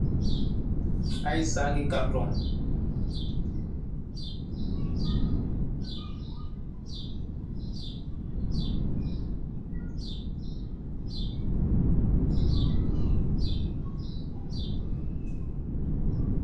Aye saagi kartong.